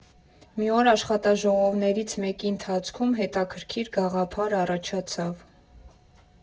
«Մի օր աշխատաժողովներից մեկի ընթացքում հետաքրքիր գաղափար առաջացավ.